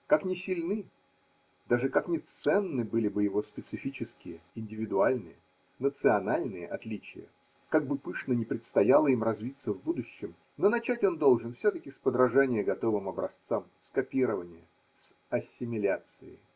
Как ни сильны, даже как ни ценны были бы его специфические, индивидуальные, национальные отличия, как бы пышно ни предстояло им развиться в будущем, но начать он должен все-таки с подражания готовым образцам, с копирования, с ассимиляции.